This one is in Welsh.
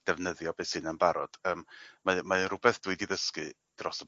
defnyddio beth sydd 'na'n barod yym mae mae o rwbeth dwi 'di ddysgu dros y